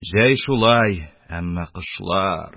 Җәй шулай, әмма кышлар,